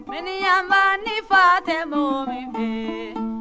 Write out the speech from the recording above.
miniyanba ni fa tɛ mɔgɔ min fɛ